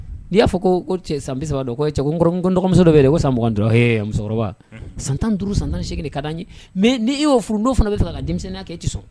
N'i y'a fɔ ko san sababa cɛ n dɔgɔmuso dɔ bɛ yen ko san dɔrɔn musokɔrɔba san tan duuru san tanse ka ye ni' e y'o furudo fana bɛ ka denmisɛnninya kɛ e tɛ so